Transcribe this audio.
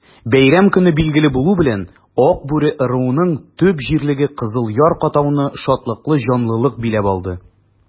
Бәйрәм көне билгеле булу белән, Акбүре ыруының төп җирлеге Кызыл Яр-катауны шатлыклы җанлылык биләп алды.